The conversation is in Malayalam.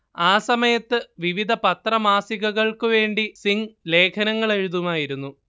ആ സമയത്ത് വിവിധ പത്രമാസികകൾക്കുവേണ്ടി സിംഗ് ലേഖനങ്ങളെഴുതുമായിരുന്നു